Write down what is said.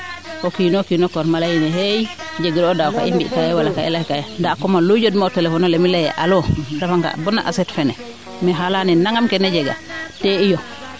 o kiino kiin o kor ma leynee xeey jegiro o daa ka i mbi kaaye wala kaa i leykaa yee ndaa a koomalu yond ma o telephone ole mi leyee alo refa nga bana Asette fene maxey leyan kene jega te iyo